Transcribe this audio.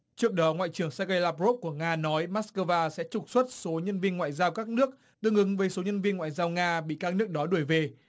trước đó ngoại trưởng xéc gây láp rốp của nga nói mát cơ va sẽ trục xuất số nhân viên ngoại giao các nước tương ứng với số nhân viên ngoại giao nga bị các nước đó đuổi về